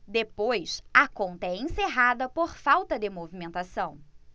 depois a conta é encerrada por falta de movimentação